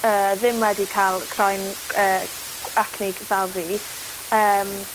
yy ddim wedi ca'l croen yy acne fel fi yym